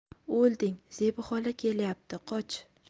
o'lding zebi xola kelyapti qoch